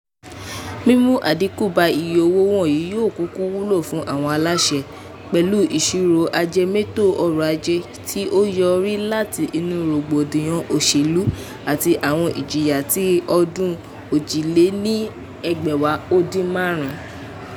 Mímú àdínkù bá iye owó wọ̀nyìí yóò kúkú wúlò fún àwọn aláṣẹ, pẹ̀lú ìṣòro ajẹmétò ọrọ̀-ajé tí ó yọrí láti inú rògbòdìyàn òṣèlú àti àwọn ìjìyà ti ọdún 2015.